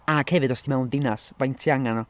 Ac hefyd os ti mewn dinas, faint ti angen o.